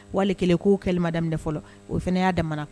Walikelen k'o kɛli ma daminɛ fɔlɔ o fana y'a damana